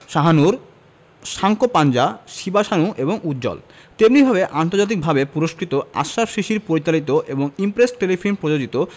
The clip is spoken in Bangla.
শাহনূর সাঙ্কোপাঞ্জা শিবা সানু এবং উজ্জ্বল তেমনিভাবে আন্তর্জাতিকভাবে পুরস্কৃত আশরাফ শিশির পরিচালিত এবং ইমপ্রেস টেলিফিল্ম প্রযোজিত